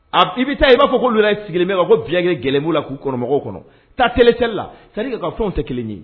A i bɛ taa yen . A bi na fɔ ko olu sigilen bɛ ma ko biyankɛ gɛlɛnlɛnmu la ku kɔnɔ ka mɔgɔw kɔnɔ taa telecel la c'est dire que u ka fɛnw tɛ kelen ye